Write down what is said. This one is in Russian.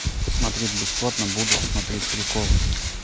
смотреть бесплатно буду смотреть приколы